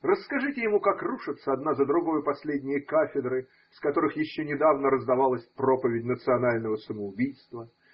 Расскажите ему, как рушатся одна за другою последние кафедры, с которых еще недавно раздавалась проповедь национального самоубийства.